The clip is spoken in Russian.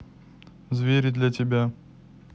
звери для тебя